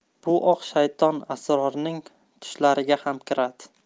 bu oq shayton asrorning tushlariga xam kiradi